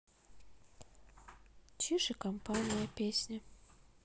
чиж и компания песня